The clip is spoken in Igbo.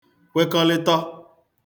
kwekọlịtọ